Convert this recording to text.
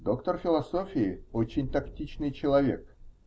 Доктор философии -- очень тактичный человек.